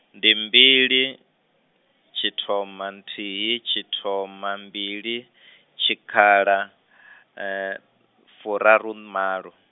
ndi mbili, tshithoma nthihi tshithoma mbili, tshikhala, furarumalo.